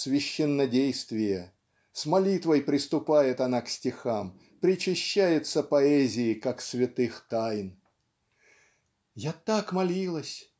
священнодействие, с молитвой приступает она к стихам, причащается поэзии, как святых тайн Я так молилась